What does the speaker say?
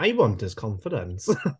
I want his confidence.